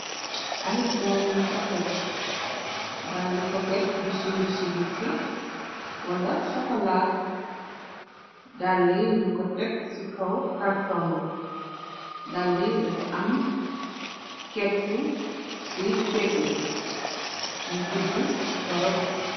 Ay dale koket, dale koket bu sungu ci bukki, wala sokolaa, dàle yi ñu ko tekk ci kaw kartong, dale yi dafa am keppu ci pegg bi, mu gudd torop